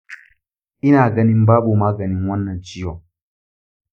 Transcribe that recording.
ina ganin babu maganin wannan ciwon.